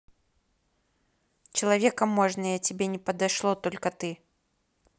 человеком можно я тебе не подошло только ты